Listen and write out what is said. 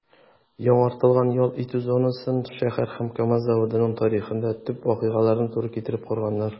Яңартылган ял итү зонасын шәһәр һәм КАМАЗ заводының тарихындагы төп вакыйгаларына туры китереп корганнар.